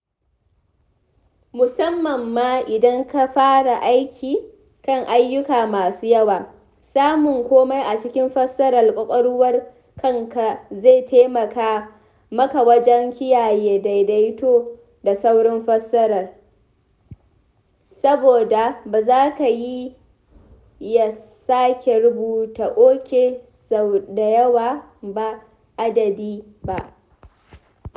Musamman ma idan ka fara aiki kan ayyuka masu yawa, samun komai a cikin fassarar ƙwaƙwalwar kanka zai taimaka maka wajen kiyaye daidaito da saurin fassara, saboda ba zaka yi ya sake rubuta “OK” sau da yawa ba adadi ba.